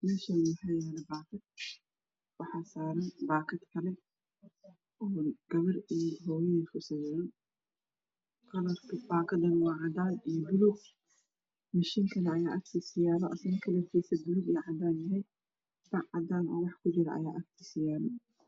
Meshan waxaa saran paakad waxaa yalo paakad kale gabar iyo hoyadeed ku sawiran kalrkeedan cadaan iyo paluug mashiin ayaa agteeda yaalo kalarkiisa puluug iyo cadaan yahay pac cadaan wax kujiro ayaa agtiisa yaalo